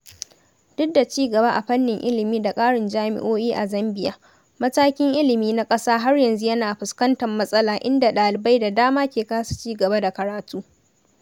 Duk da ci gaba a fannin ilimi da ƙarin jami’o’i a Zambiya, matakin ilimi na ƙasa har yanzu yana fuskantar matsala inda ɗalibai da dama ke kasa ci gaba da karatu.